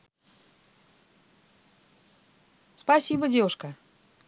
спасибо девушка